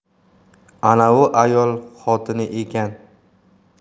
anavi ayol xotini ekan